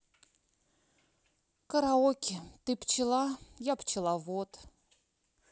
караоке ты пчела я пчеловод